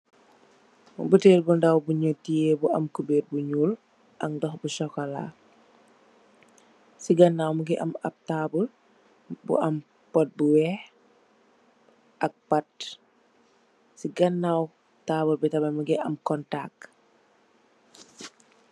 Butèèl bu ndaw buñ teyeh bu am kuberr bu ñuul ak ndox bu sokola. Ci ganaw mugii am ap tabull bu am pot bu wèèx ak pat. Ci ganaw tabull bi tamid mugii am kontak.